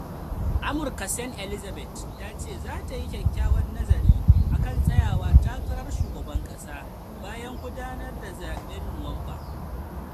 Amurka Sen. Elizaberth ta ce za ta yi "kyakkyawan nazari akan Tsayawa takarar Shugaban kasa” bayan gudana zaben Nuwamba.